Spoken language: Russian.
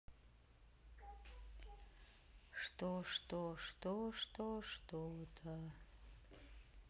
что что что что что то